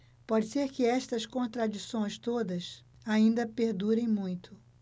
pode ser que estas contradições todas ainda perdurem muito